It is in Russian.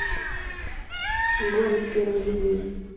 город первой любви